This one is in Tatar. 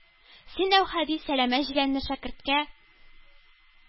Син, Әүхәди,- сәләмә җиләнле шәкерткә